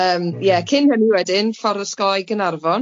Yym ie cyn hynny wedyn ffordd osgoi Gaernarfon.